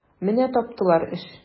Менә таптылар эш!